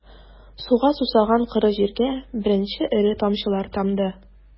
Суга сусаган коры җиргә беренче эре тамчылар тамды...